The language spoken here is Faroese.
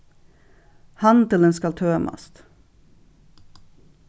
handilin skal tømast